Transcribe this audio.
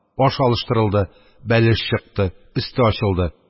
Аш алыштырылды; бәлеш чыкты, өсте ачылды.